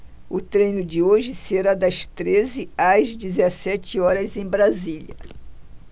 o treino de hoje será das treze às dezessete horas em brasília